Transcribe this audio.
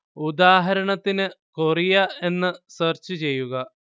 ഉദാഹരണത്തിന് കൊറിയ എന്നു സെർച്ച് ചെയ്യുക